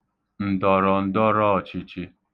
ǹdọ̀rọ̀ǹdọrọọ̄chị̄chị̄